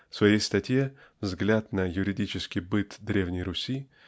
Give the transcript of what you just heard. в своей статье "Взгляд на юридический быт древней Руси"